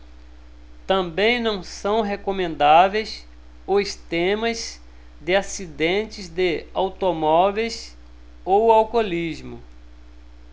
também não são recomendáveis os temas de acidentes de automóveis ou alcoolismo